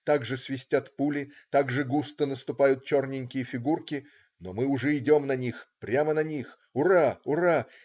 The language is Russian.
Так же свистят пули, так же густо наступают черненькие фигурки, но мы уже идем на них, прямо на них. ура!. ура!